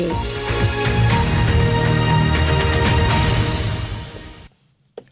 music